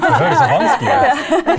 det høres så vanskelig ut.